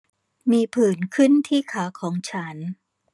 มีผื่นขึ้นที่ขาของฉัน